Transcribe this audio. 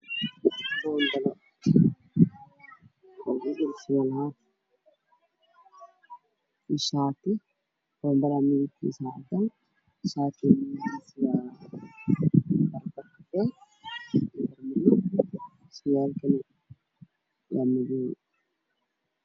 Waxaa ii muuqda boonbale wato shaar gaduud iyo madow ah iyo buumo buluug ah